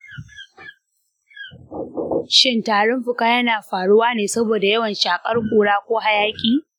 shin tarin fuka yana faruwa ne saboda yawan shakar kura ko hayaki?